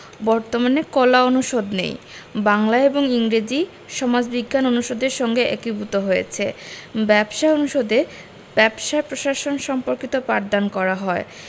বর্তমানে কলা অনুষদ নেই বাংলা এবং ইংরেজি সমাজবিজ্ঞান অনুষদের সঙ্গে একীভূত হয়েছে ব্যবসায় অনুষদে ব্যবসায় প্রশাসন সম্পর্কিত পাঠদান করা হয়